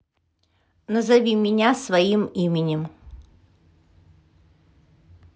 назови меня своим именем